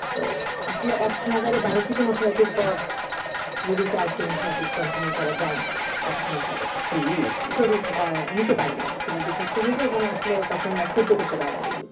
তো আসলে একনাগাড়ে 12 টি কেমোথেরাপির পর রোগীকে আর কেমোথেরাপি কন্টিনিউ করা যায় না তাৎক্ষণিকভাবে কি আর করা যায় না শরীর নিতে পারে না শরীর বিষাক্ত হয়ে যায় তখন আসলে সহ্য করতে পারেনা রোগী